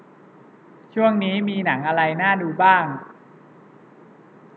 ช่วงนี้มีหนังอะไรน่าดูบ้าง